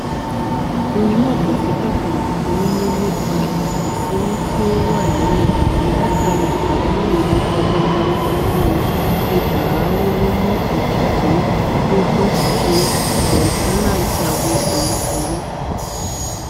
Orin náà kò fi igbákanbọ̀kan nínú nípa ìkùnsínú tí ó wà nílẹ̀ látàrí ìpàdánù ìfigagbága ọdún 2018 tí Montana jáwé olúborí.